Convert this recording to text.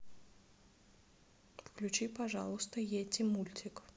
включи пожалуйста йети мультик